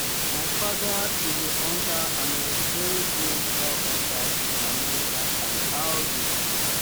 My father is a hunter and was very curious about hunters in America and how they hunt.